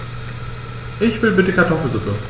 Ich will bitte Kartoffelsuppe.